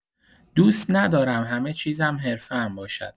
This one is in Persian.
دوست ندارم همه چیزم حرفه‌ام باشد.